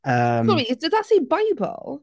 Yym... Sorry, does that say 'Bible'?